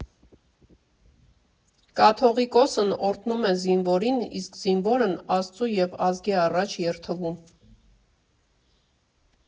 Կաթողիկոսն օրհնում է զինվորին, իսկ զինվորն Աստծու և ազգի առաջ՝ երդվում։